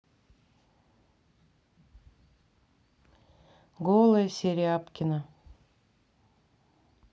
голая серябкина